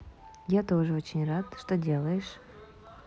я тоже очень рад что делаешь